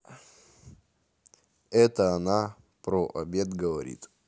это она про обед говорит